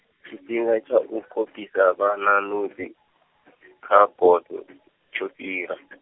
tshifhinga tsha u kopisa vhana notsi, kha bodo, tsho fhira.